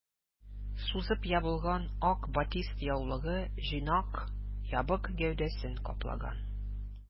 Сузып ябылган ак батист яулыгы җыйнак ябык гәүдәсен каплаган.